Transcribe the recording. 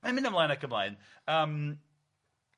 Mae'n mynd ymlaen ac ymlaen yym